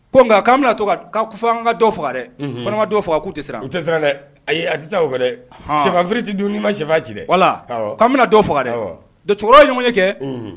Ko nga kan bi na to ga ko fan ka dɔ faga dɛ . Ko nan ma dɔ faga ku ti ti siran dɛ. ayi a ti taa o. dɛ sifanffiti dun n'i ma sifan ji wala'an bɛna dɔ faga dɛ don cɛkɔrɔba ɲɔgɔn ye kɛ Unhun .